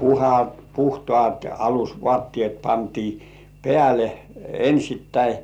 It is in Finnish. - puhtaat alusvaatteet pantiin päälle ensittäin